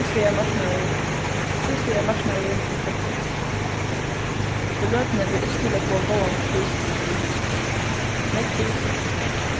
bústaðarmarknaður bústaðarmarknaðurin í kreppu í løtuni ber ikki til at at fáa góðan prís fyri síni hús nógv hús